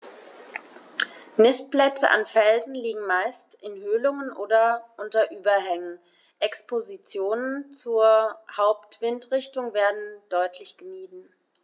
Nistplätze an Felsen liegen meist in Höhlungen oder unter Überhängen, Expositionen zur Hauptwindrichtung werden deutlich gemieden.